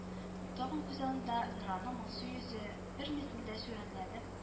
Тагын күз алдында Нораның моңсу йөзе, бер мизгелдә сүрәнләнеп